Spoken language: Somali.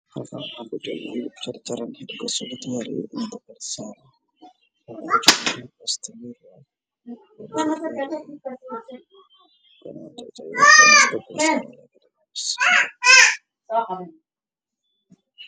Waa hilib gaduudan kujiro digsi